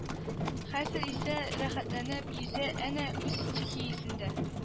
Хәзер исә рәхәтләнеп йөзә әнә үз стихиясендә